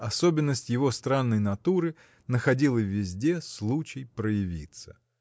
Особенность его странной натуры находила везде случай проявиться.